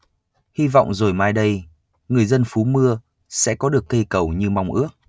hy vọng rồi mai đây người dân phú mưa sẽ có được câu cầu như mong ước